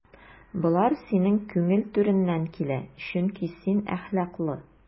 Болар синең күңел түреннән килә, чөнки син әхлаклы.